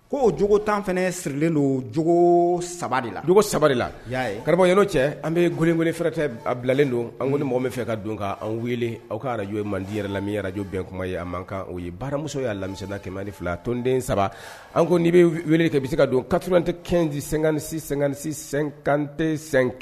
Ko o jogo tan fana sirilen don j saba de la jugu sabari la y'a ye karamɔgɔy cɛ an bɛ gele fɛrɛɛrɛ tɛ bilalen don an ni mɔgɔ bɛ fɛ ka don k'an wele aw ka arajo mandi yɛrɛ lammi araj bɛn kuma ye a man kan o ye baramuso y'a lamisada kɛmɛ fila tɔnonden saba an n' bɛ wele de bɛ se ka don kato an tɛ kɛndiisianisi sen kante sen